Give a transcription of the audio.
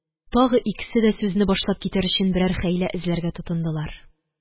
Тагы икесе дә сүзне башлап китәр өчен берәр хәйлә эзләргә тотындылар.